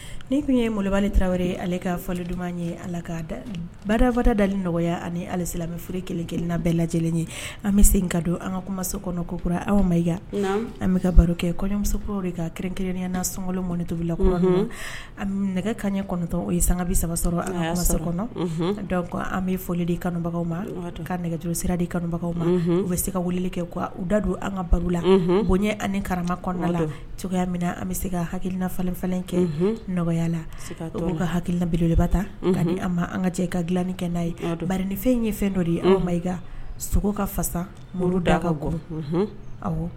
Ni tun ye malobali tarawele ye ale ka fɔli duman ye ala badabada da nɔgɔya ani hali f kelen kelenna bɛɛ lajɛlen ye an bɛ se ka don an ka kɔso kɔnɔ kokura an ma an bɛ ka baro kɛ kɔɲɔmuso de ka kɛ kelenya na sunkolon mɔnɔni tula kuma an nɛgɛ kaɲɛ kɔnɔntɔn o ye sangabi sama sɔrɔ kɔnɔ dɔw an bɛ foli di kanubagaw ma ka nɛgɛjurusira di kanubagaw ma u bɛ se ka wulili kɛ' da don an ka baro la bon ɲɛ an karama kɔnɔn la cogoya min na an bɛ se ka hakilinafafa kɛ nɔgɔya la ka hakilina bieleliba ta ani an ma an ka cɛ ka dilanni kɛ n'a ye bari ni fɛn ye fɛn dɔ de ye anw ma i sogo ka fasa muru da'a ka g